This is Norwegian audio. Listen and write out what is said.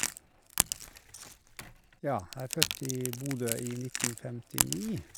Ja, jeg er født i Bodø i nitten femtini.